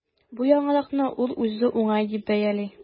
Бу яңалыкны ул үзе уңай дип бәяли.